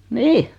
niin